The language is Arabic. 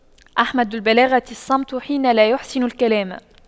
أحمد البلاغة الصمت حين لا يَحْسُنُ الكلام